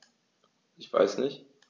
Ich weiß nicht.